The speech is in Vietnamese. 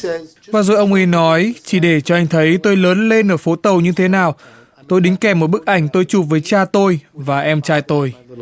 và rồi ông ấy nói chỉ để cho anh thấy tôi lớn lên ở phố tàu như thế nào tôi đính kèm một bức ảnh tôi chụp với cha tôi và em trai tôi